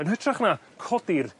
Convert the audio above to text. yn hytrach na codi'r